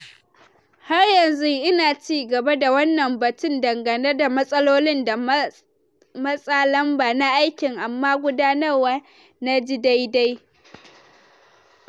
Har yanzu ina ci gaba da wannan batun dangane da matsalolin da matsa lamba na aikin amma gudanarwa na ji daidai.